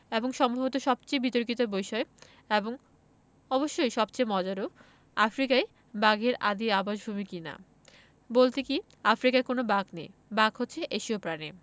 এবং সম্ভবত সবচেয়ে বিতর্কিত বিষয় এবং অবশ্যই সবচেয়ে মজারও আফ্রিকাই বাঘের আদি আবাসভূমি কি না বলতে কী আফ্রিকায় কোনো বাঘ নেই বাঘ হচ্ছে এশীয় প্রাণী